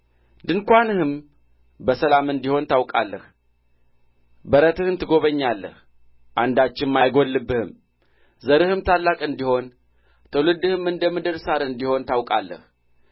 ድንኳንህም በሰላም እንዲሆን ታውቃለህ በረትህን ትጐበኛለህ አንዳችም አይጐድልብህም ዘርህም ታላቅ እንዲሆን ትውልድህም እንደ ምድር ሣር እንዲሆን ታውቃለህ